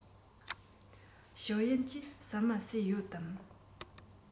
ཞའོ ཡན གྱིས ཟ མ ཟོས ཡོད དམ